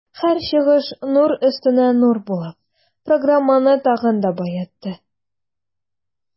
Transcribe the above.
Һәр чыгыш нур өстенә нур булып, программаны тагын да баетты.